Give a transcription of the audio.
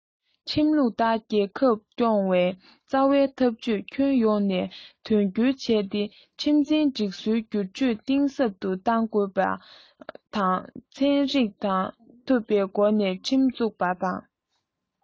ཁྲིམས ལུགས ལྟར རྒྱལ ཁབ སྐྱོང བའི རྩ བའི ཐབས ཇུས ཁྱོན ཡོངས ནས དོན འཁྱོལ བྱས ཏེ ཁྲིམས འཛིན སྒྲིག སྲོལ སྒྱུར བཅོས གཏིང ཟབ ཏུ གཏོང དགོས པ དང ཚན རིག དང མཐུན པའི སྒོ ནས ཁྲིམས འཛུགས པ དང